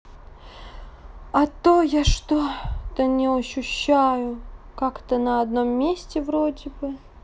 а то я что то не ощущаю как то на одном месте вроде бы